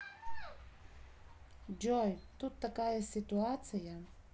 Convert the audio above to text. джой тут такая ситуация